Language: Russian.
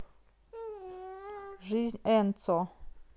жизнь энцо